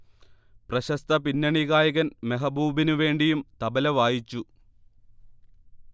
പ്രശസ്ത പിന്നണിഗായകൻ മെഹബൂബിനു വേണ്ടിയും തബല വായിച്ചു